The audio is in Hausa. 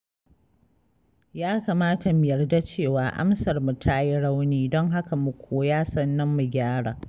Ya kamata mu yarda cewa amsarmu ta yi rauni, don haka mu koya sannan mu gyara.